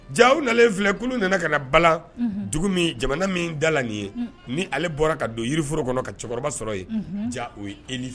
Ja nalen filɛ kulu nana ka na balan, unhun, dugu min, jamana min da la nin ye, ni ale bɔra ka don yiriforo kɔnɔ ka cɛkɔrɔba sɔrɔ yen ja o ye e